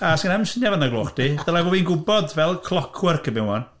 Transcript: A sgenna i'm syniad faint o'r gloch 'di . Dyle bo' fi'n gwybod fel clockwork erbyn 'wan.